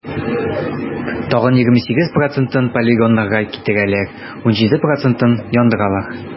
Тагын 28 процентын полигоннарга китерәләр, 17 процентын - яндыралар.